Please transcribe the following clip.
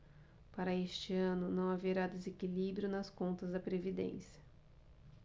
para este ano não haverá desequilíbrio nas contas da previdência